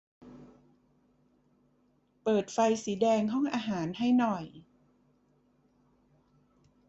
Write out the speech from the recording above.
เปิดไฟสีแดงห้องอาหารให้หน่อย